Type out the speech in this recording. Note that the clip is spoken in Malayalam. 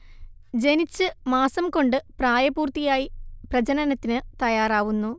ജനിച്ച് മാസം കൊണ്ട് പ്രായപൂർത്തിയായി പ്രജനനത്തിന് തയ്യാറാവുന്നു